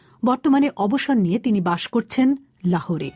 বর্তমানে অবসর নিয়ে তিনি বাস করছেন লাহোরে